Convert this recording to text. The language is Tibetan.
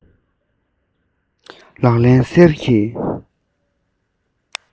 ལག ལེན གསེར གྱི